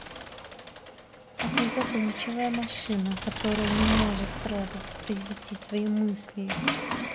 а ты задумчивая машина которая не может сразу воспроизвести свои мысли